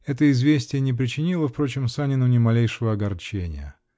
Это известие не причинило, впрочем, Санину ни малейшего огорчения.